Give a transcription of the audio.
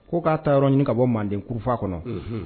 Ko k'a ta yɔrɔ ɲini ka bɔ manden kurufa kɔnɔ